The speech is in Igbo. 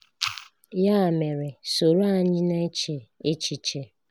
Ya mere, soro anyị na-eche echiche!